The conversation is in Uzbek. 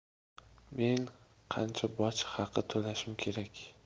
men qancha boj haqi to'lashim kerak